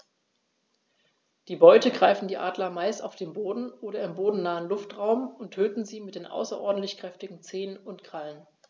Die Beute greifen die Adler meist auf dem Boden oder im bodennahen Luftraum und töten sie mit den außerordentlich kräftigen Zehen und Krallen.